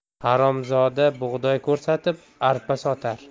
haromzoda bug'doy ko'rsatib arpa sotar